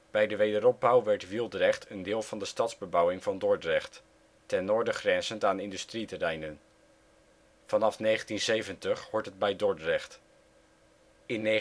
Bij de Wederopbouw werd Wieldrecht een deel van de stadsbebouwing van Dordrecht, ten noorden grenzend aan industrieterreinen. Vanaf 1970 hoort het bij Dordrecht. In 1977